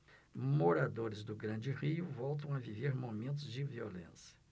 moradores do grande rio voltam a viver momentos de violência